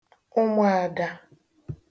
ụmụ̄ ādā